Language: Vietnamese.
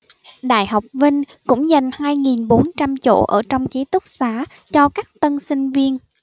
đại học vinh cũng dành hai nghìn bốn trăm chỗ ở trong ký túc xá cho các tân sinh viên